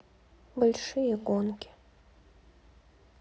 большие гонки